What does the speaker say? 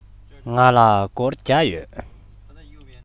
ང ལ སྒོར བརྒྱ ཡོད